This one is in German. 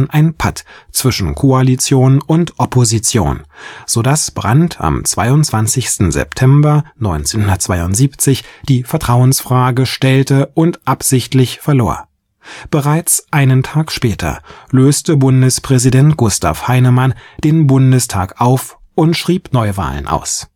ein Patt zwischen Koalition und Opposition, sodass Brandt am 22. September 1972 die Vertrauensfrage stellte und absichtlich verlor. Bereits einen Tag später löste Bundespräsident Gustav Heinemann den Bundestag auf und schrieb Neuwahlen aus